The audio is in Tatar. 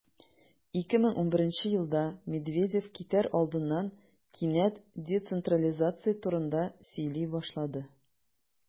2011 елда медведев китәр алдыннан кинәт децентрализация турында сөйли башлады.